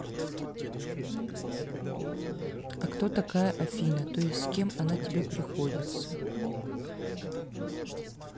а кто такая афина то есть кем она тебе приходится